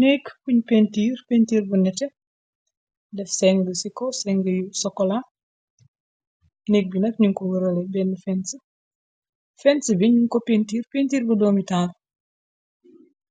Nékk puñ pentiir pentiir bu nete def seng ci ko seng yu socola nékk bi nak ñunko wërale benn fens fens bi ñu ko pentiir pentiir bu doomi taal